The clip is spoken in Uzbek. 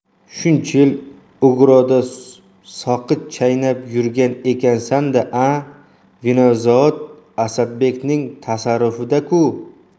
shuncha yil ugroda saqich chaynab yurgan ekansan da a vinzavod asadbekning tasarrufida ku